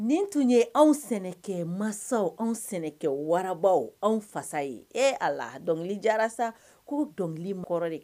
Nin tun ye anw sɛnɛ masaw ,anw sɛnɛkɛ wararaba, anw fasa ye ee allah sa dɔnkili jarasa ko dɔnkili kɔrɔ de.